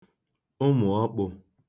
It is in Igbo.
ụmụ̀ ọkpụ̄